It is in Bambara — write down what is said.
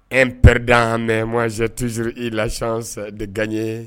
An ppred an mɛ mɔnze tzuru i lac de ganɲɛ